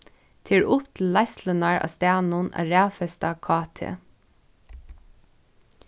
tað er upp til leiðslurnar á staðnum at raðfesta kt